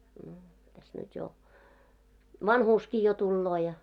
no tässä nyt jo vanhuuskin jo tulee ja